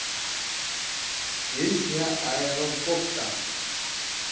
песня аэропорта